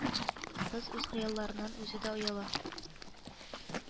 Кыз үз хыялларыннан үзе дә ояла